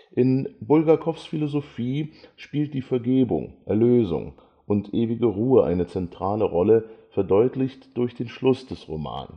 In Bulgakows Philosophie spielt die Vergebung, Erlösung und ewige Ruhe eine zentrale Rolle, verdeutlicht durch den Schluss des Romans